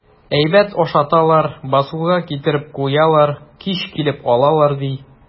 Әйбәт ашаталар, басуга китереп куялар, кич килеп алалар, ди.